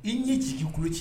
I ɲɛ tigi' kulu ci